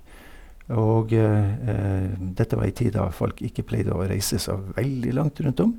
Og dette var ei tid da folk ikke pleide å reise så veldig langt rundt om.